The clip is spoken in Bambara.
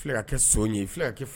Ye